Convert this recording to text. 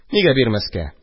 Нигә бирмәскә?